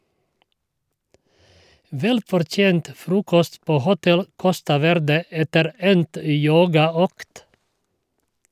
Velfortjent frokost på hotell Costa Verde etter endt yogaøkt.